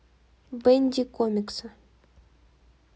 бенди комиксы